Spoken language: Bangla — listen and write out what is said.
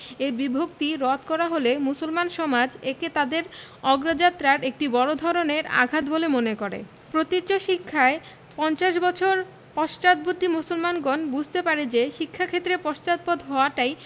এ বিভক্তি রদ করা হলে মুসলমান সমাজ একে তাদের অগ্রযাত্রার একটি বড় ধরনের আঘাত বলে মনে করে প্রতীচ্য শিক্ষায় পঞ্চাশ বছর পশ্চাদ্বর্তী মুসলমানগণ বুঝতে পারে যে শিক্ষাক্ষেত্রে পশ্চাৎপদ হওয়াটাই